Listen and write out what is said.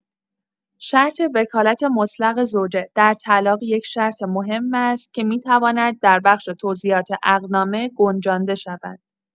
شرط وکالت مطلق زوجه در طلاق یک شرط مهم است که می‌تواند در بخش توضیحات عقدنامه گنجانده شود.